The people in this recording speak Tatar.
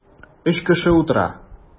Өч кеше утыра.